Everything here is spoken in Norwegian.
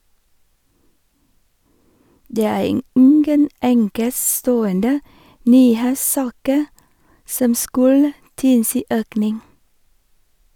- Det er ingen enkeltstående nyhetssaker som skulle tilsi økning.